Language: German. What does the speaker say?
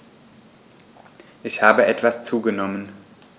Ich habe etwas zugenommen